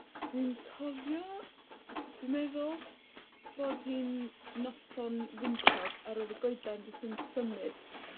dwi'n cofio, dwi'n meddwl, bod hi'n noson wyntog. A roedd y goedan jyst yn symud.